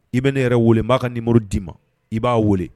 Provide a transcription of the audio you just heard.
I bɛ ne yɛrɛ weele n b'a ka ni muru d'i ma i b'a weele